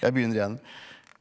jeg begynner igjen.